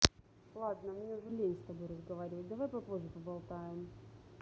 ладно мне уже лень с тобой разговаривать давай попозже поболтаем